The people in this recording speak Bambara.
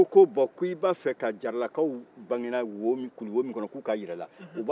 n'i ko ko bɔn i b'a fɛ jaralakaw bangera wo min kuluwo min kɔnɔ k'u ka jira i la